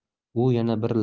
u yana bir